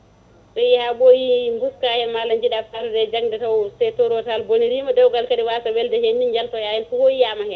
so yeeyi ha ɓooyi gurta hen malla jiiɗa fatude e jangde taw c' trop tard bonirima dewgal kadi wasa welde hen ni jatoya hen fofoof yiyama hen